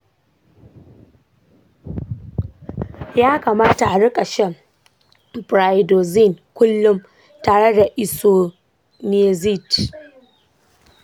ya kamata a riƙa shan pyridoxine kullum tare da isoniazid.